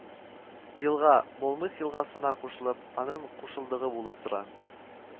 Елга Молмыс елгасына кушылып, аның кушылдыгы булып тора